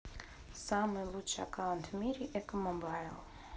самый лучший аккаунт в мире экомобайл